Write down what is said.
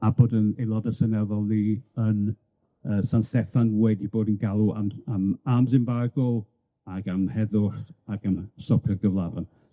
a bod 'yn aelodau seneddol ni yn yy San Steffan wedi bod yn galw am am arms embargo ag am heddwch ag am stopio'r gyflafan.